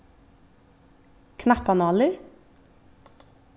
knappanálir